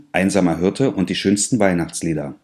Einsamer Hirte & die schönsten Weihnachtslieder